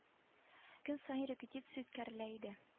Көн саен репетиция үткәрелә иде